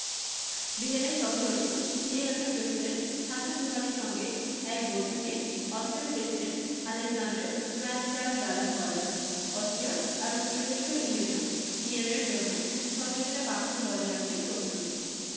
ভিয়েনায় সফররত ইরানের প্রেসিডেন্ট হাসান রুহানির সঙ্গে এক বৈঠকে অস্ট্রিয়ার president Alexander van der Bellen বলেন অস্ট্রিয়া এবং ইউরোপীয় ইউনিয়ন ইরানের জন্য সহযোগিতা কাঠামো বজায় রাখতে প্রস্তুত